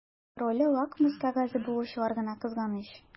Роле лакмус кәгазе булучылар гына кызганыч.